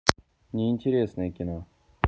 не интересное кино